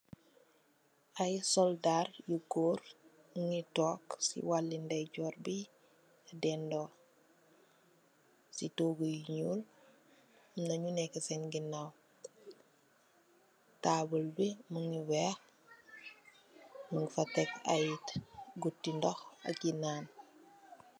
Ay soldar yu góor nyungi toog, si wali ndeÿjorbi, dendog si togu yu ñul am na nyu nekk seen ginaw. Tabulbi mungi weex nyung fa tekk ay guti dox ag yu nan.